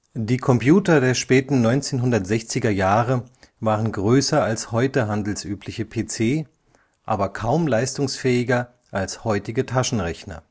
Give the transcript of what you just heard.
Die Computer der späten 1960er-Jahre waren größer als heute handelsübliche PC, aber kaum leistungsfähiger als heutige Taschenrechner